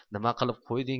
nima qilib qo'yding